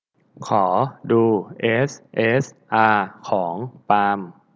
ขอดูเอสเอสอาของปาล์ม